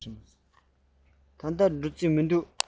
ད ལྟ འགྲོ རྩིས མི འདུག ལོ མཇུག ལ ཕྱིན མིན འགྲོ